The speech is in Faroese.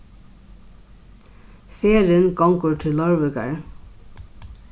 ferðin gongur til leirvíkar